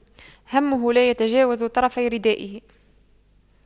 همه لا يتجاوز طرفي ردائه